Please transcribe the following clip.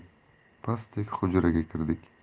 pastak hujraga kirdik